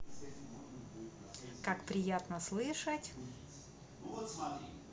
как приятно слышать